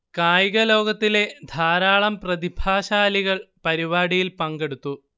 കായിക ലോകത്തിലെ ധാരാളം പ്രതിഭാശാലികൾ പരിപാടിയിൽ പങ്കെടുത്തു